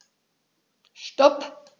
Stop.